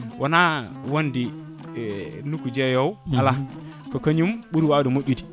wona wonde e nokku jeeyowo ala ko kañum ɓuuri wawde moƴƴude